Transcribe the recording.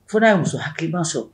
Fo' ye muso haban sɔrɔ